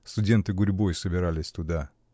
Студенты гурьбой собирались туда.